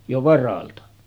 jo varalta